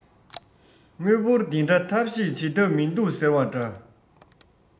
དངུལ འབོར འདི འདྲ ཐབས ཤེས བྱེད ཐབས མིན འདུག ཟེར བ འདྲ